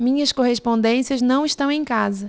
minhas correspondências não estão em casa